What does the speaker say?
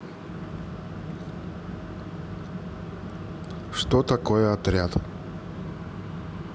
что такое отряд